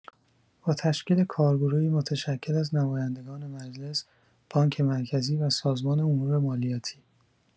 با تشکیل کارگروهی متشکل از نمایندگان مجلس، بانک مرکزی و سازمان امورمالیاتی